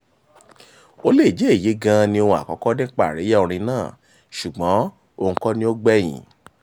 Ó lè jẹ́ èyí gan-an ni oun àkọ́kọ́ nípa àríyá orin náà, ṣùgbọ́n òun kọ́ ni ó gbẹ̀yìn.